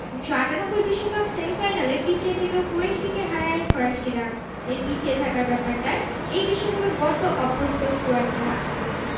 ১৯৯৮ বিশ্বকাপ সেমিফাইনালে পিছিয়ে থেকেও ক্রোয়েশিয়াকে হারায় ফরাসিরা এই পিছিয়ে থাকার ব্যাপারটায় এই বিশ্বকাপে বড্ড অভ্যস্ত ক্রোয়াটরা